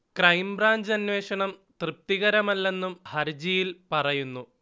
crime branch അന്വേഷണം തൃ്പതികരമല്ലെന്നും ഹർജിയിൽ പറയുന്നു